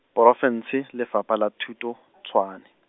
porofense, Lefapha la Thuto , Tshwane.